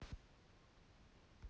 как продавать страховые продукты